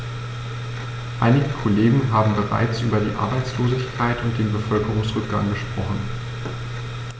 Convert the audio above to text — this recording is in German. Einige Kollegen haben bereits über die Arbeitslosigkeit und den Bevölkerungsrückgang gesprochen.